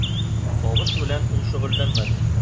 Табыш белән ул шөгыльләнмәде.